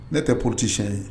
Ne tɛ porote siyɛn ye